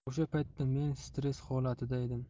o'sha paytda men stress holatida edim